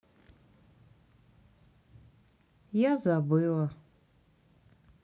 я забыла